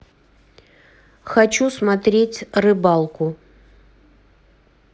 хочу смотреть рыбалку